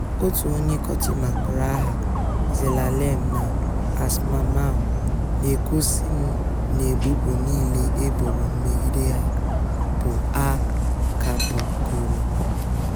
Otu onye kọtịma kpọrọ aha Zelalem na Asmamaw, na-ekwu sị na ebubo niile eboro megide ha bụ a kagbugoro.